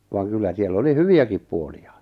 vaan kyllä siellä oli hyviäkin puolia